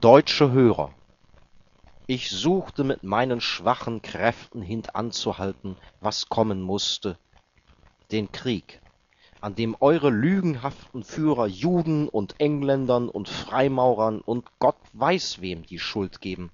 Deutsche Hörer! … Ich suchte mit meinen schwachen Kräften hintan zu halten, was kommen musste …– Den Krieg, an dem eure lügenhaften Führer Juden und Engländern und Freimaurern und Gott weiß wem die Schuld geben,